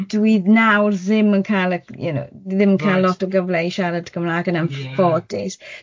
dwi nawr ddim yn cael y you know, ddim yn cael lot o gyfle i siarad Cymraeg yn anffodus.